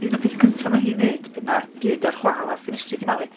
un o'r pethau cynta ma hi'n wneud, pan ma'r byd ar chwâl a ffenestri 'di malu...